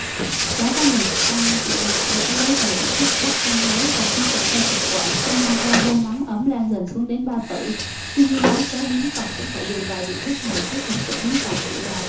cháo có mùi tanh vị mặn lẫn với vài vị thuốc bắc đăng đắng và khi chạy theo thực quản sẽ mang theo hơi nóng ấm lan dần xuống đến bao tử tuy nhiên món cháo pín cọp cũng phải dùng vài vị thuốc này chứ thực sự pín cọp chỉ là